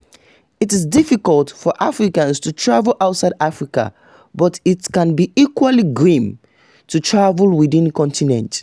It’s difficult for Africans to travel outside Africa — but it can be equally grim to travel within the continent.